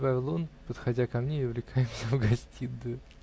-- прибавил он, подходя ко мне и увлекая меня в гостиную.